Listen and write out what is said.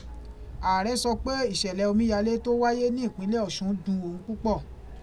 Ààrẹ sọ pé ìṣẹ̀lẹ̀ omíyalé tó wáyé ní ìpínlẹ̀ Ọṣun dun òun púpọ̀.